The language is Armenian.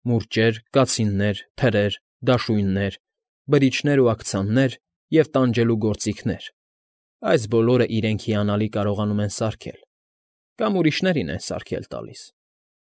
Մուրճեր, կացիններ, թրեր, դաշույններ, բրիչներ ու աքցաններ և տանջելու գործիքներ՝ այս բոլորը իրենք հիանալի կարողանում են սարքել կամ ուրիշներին են սարքել տալիս։